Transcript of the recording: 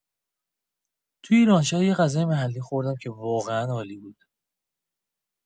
توی ایرانشهر یه غذای محلی خوردم که واقعا عالی بود.